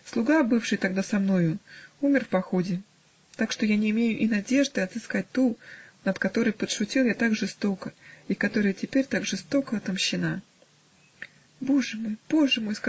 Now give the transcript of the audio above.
Слуга, бывший тогда со мною, умер в походе, так что я не имею и надежды отыскать ту, над которой подшутил я так жестоко и которая теперь так жестоко отомщена. -- Боже мой, боже мой!